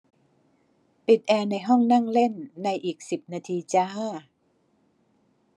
ปิดแอร์ในห้องนั่งเล่นในอีกสิบนาทีจ้า